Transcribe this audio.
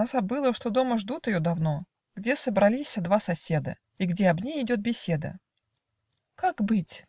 она забыла, Что дома ждут ее давно, Где собралися два соседа И где об ней идет беседа. - Как быть?